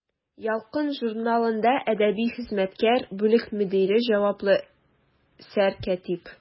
«ялкын» журналында әдәби хезмәткәр, бүлек мөдире, җаваплы сәркәтиб.